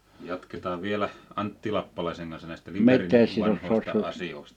jatketaan vielä Antti Lappalaisen kanssa näistä Liperin vanhoista asioista